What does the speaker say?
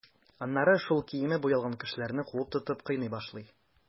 Аннары шул киеме буялган кешеләрне куып тотып, кыйный башлый.